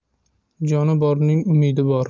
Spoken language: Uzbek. joni borning umidi bor